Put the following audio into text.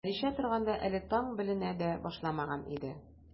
Хәдичә торганда, әле таң беленә дә башламаган иде.